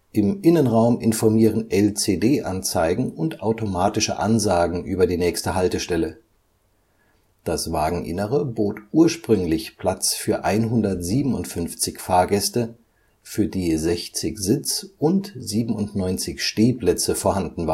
Im Innenraum informieren LCD-Anzeigen und automatische Ansagen über die nächste Haltestelle. Das Wageninnere bot ursprünglich Platz für 157 Fahrgäste, für die 60 Sitz - und 97 Stehplätze vorhanden